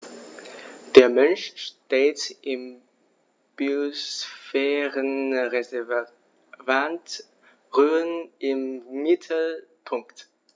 Der Mensch steht im Biosphärenreservat Rhön im Mittelpunkt.